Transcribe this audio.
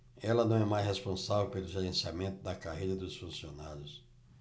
ela não é mais responsável pelo gerenciamento da carreira dos funcionários